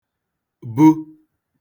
bu